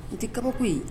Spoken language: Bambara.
N tɛ kabako koyi